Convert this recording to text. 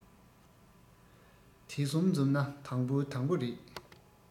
དེ གསུམ འཛོམས ན དང པོའི དང པོ རེད